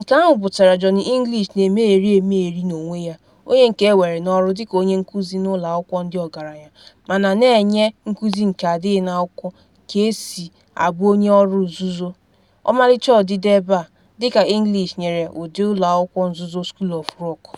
Nke ahụ pụtara Johnny English na-emegheri emegheri n’onwe ya, onye nke ewere n’ọrụ dịka onye nkuzi n’ụlọ akwụkwọ ndị ọgaranya, mana na-enye nkuzi nke adịghị n’akwụkwọ ka-esi a bụ onye ọrụ nzuzo: ọmalịcha odide ebe a, dịka English nyere ụdị ụlọ akwụkwọ nzuzo School of Rock.